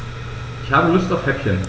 Ich habe Lust auf Häppchen.